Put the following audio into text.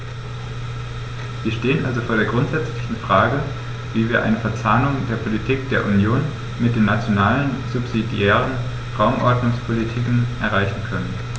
Wir stehen also vor der grundsätzlichen Frage, wie wir eine Verzahnung der Politik der Union mit den nationalen subsidiären Raumordnungspolitiken erreichen können.